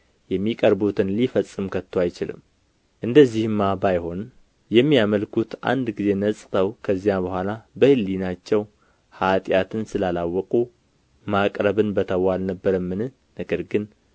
የሚቀርቡትን ሊፈጽም ከቶ አይችልም እንደዚህማ ባይሆን የሚያመልኩት አንድ ጊዜ ነጽተው ከዚያ በኋላ በሕሊናቸው ኃጢአትን ስላላወቁ ማቅረብን በተዉ አልነበረምን ነገር ግን